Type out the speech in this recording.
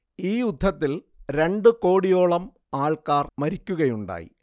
ഈ യുദ്ധത്തിൽ രണ്ടു കോടിയോളം ആൾക്കാർ മരിക്കുകയുണ്ടായി